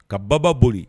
Ka baba boli